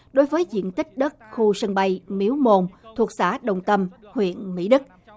đối với diện tích đất khu sân bay miếu môn thuộc xã đồng tâm huyện mỹ đức